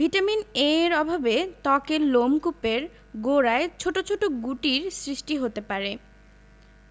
vitamin A এর অভাবে ত্বকের লোমকূপের গোড়ায় ছোট ছোট গুটির সৃষ্টি হতে পারে